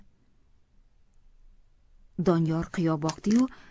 doniyor qiyo boqdi yu